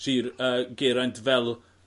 Gir- yy Geraint fel